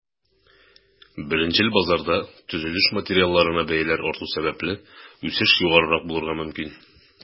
Беренчел базарда, төзелеш материалларына бәяләр арту сәбәпле, үсеш югарырак булырга мөмкин.